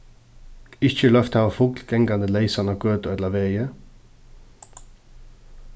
ikki er loyvt at hava fugl gangandi leysan á gøtu ella vegi